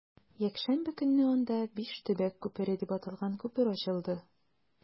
Якшәмбе көнне анда “Биш төбәк күпере” дип аталган күпер ачылды.